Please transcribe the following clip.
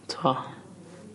t'o'